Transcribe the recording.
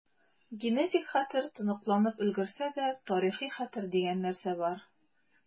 Генетик хәтер тоныкланып өлгерсә дә, тарихи хәтер дигән нәрсә бар.